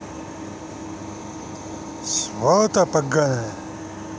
сволота блядь поганая